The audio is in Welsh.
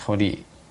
ch'od i